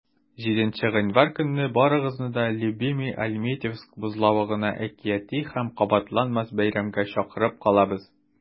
7 гыйнвар көнне барыгызны да "любимыйальметьевск" бозлавыгына әкияти һәм кабатланмас бәйрәмгә чакырып калабыз!